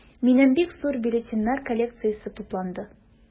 Минем бик зур бюллетеньнәр коллекциясе тупланды.